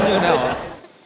như nào ạ